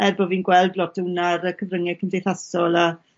er bo' fi'n gweld lot o wnna ar y cyfrynge cymdeithasol a